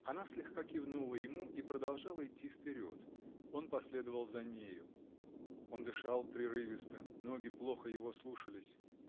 Она слегка кивнула ему -- и продолжала идти вперед. Он последовал за нею. Он дышал прерывисто. Ноги плохо его слушались.